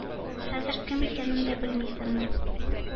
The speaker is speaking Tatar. Хәзер кем икәнен дә белмисеңме?